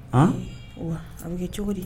An, wa, a bɛ kɛ cogo di?